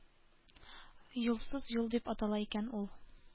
«юлсыз юл» дип атала икән ул.